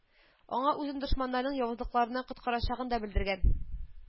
Аңа үзен дошманнарның явызлыкларыннан коткарачагын да белдергән